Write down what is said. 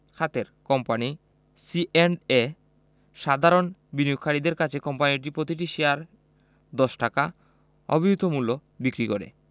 খাতের company C and A সাধারণ বিনিয়োগকারীদের কাছে কোম্পানিটি প্রতিটি শেয়ার ১০ টাকা অভিহিত মূল্য বিক্রি করে